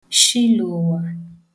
shilụ̀ụ̀wà